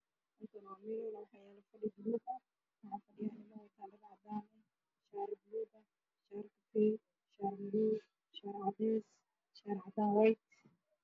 Kal kan waxaa fadhiya niman aqrinayo kitaab quran ah